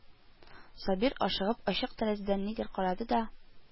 Сабир, ашыгып, ачык тәрәзәдән нидер карады да: